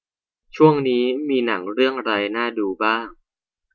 ช่วงนี้มีหนังเรื่องอะไรน่าดูบ้าง